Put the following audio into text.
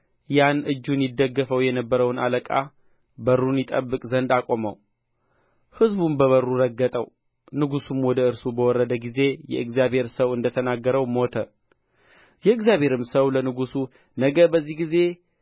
ያን እጁን ይደግፈው የነበረውን አለቃ በሩን ይጠብቅ ዘንድ አቆመው ሕዝቡም በበሩ ረገጠው ንጉሡም ወደ እርሱ በወረደ ጊዜ የእግዚአብሔር ሰው እንደ ተናገረው ሞተ የእግዚአብሔርም ሰው ለንጉሡ ነገ በዚህ ጊዜ